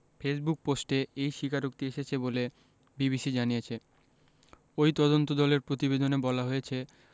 Facebook পোস্টে এই স্বীকারোক্তি এসেছে বলে বিবিসি জানিয়েছে ওই তদন্তদলের প্রতিবেদনে বলা হয়েছে